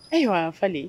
Ayiwa falen